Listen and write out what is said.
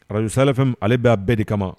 Arazjslɛfɛ ale bɛ bɛɛ de kama